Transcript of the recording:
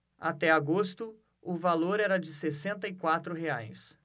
até agosto o valor era de sessenta e quatro reais